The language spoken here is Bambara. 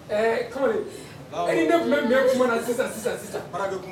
Ɛɛ kamalen e ni ne tun bɛ mɛ kuma na sisan sisan sisan bara kuma